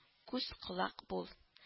Күз-колак бул